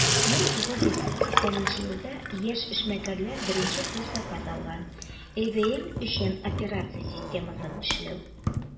1980 елда яшь эшмәкәрләр беренче зур заказ алган - ibm өчен операция системасын эшләү.